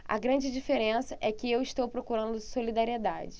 a grande diferença é que eu estou procurando solidariedade